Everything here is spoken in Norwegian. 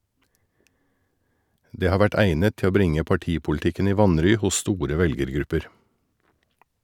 Det har vært egnet til å bringe partipolitikken i vanry hos store velgergrupper.